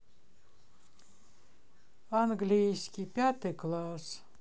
английский пятый класс